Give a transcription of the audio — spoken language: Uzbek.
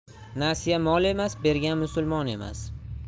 nasiya mol emas bergan musulmon emas